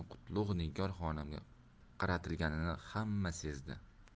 qutlug' nigor xonimga qaratilganini hamma sezdi